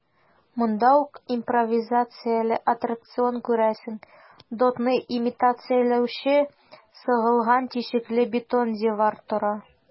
Монда ук импровизацияле аттракцион - күрәсең, дотны имитацияләүче сыгылган тишекле бетон дивар тора.